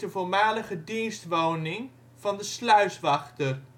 voormalige dienstwoning van de sluiswachter